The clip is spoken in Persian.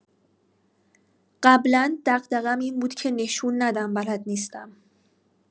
قبلا دغدغم این بود که نشون ندم بلد نیستم.